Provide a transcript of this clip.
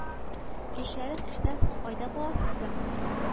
Кичләрен эштән соң кайда буласыз соң